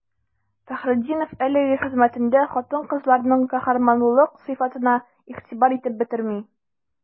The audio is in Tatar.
Фәхретдинов әлеге хезмәтендә хатын-кызларның каһарманлылык сыйфатына игътибар итеп бетерми.